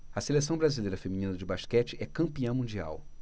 a seleção brasileira feminina de basquete é campeã mundial